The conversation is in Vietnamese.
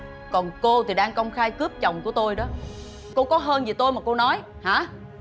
còn cô thì đang công khai cướp chồng của tôi đó cô có hơn gì tôi mà cô nói hả